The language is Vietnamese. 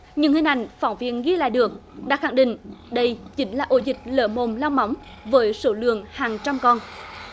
những hình ảnh phóng viên ghi lại được đã khẳng định đây chính là ổ dịch lở mồm long móng với số lượng hàng trăm con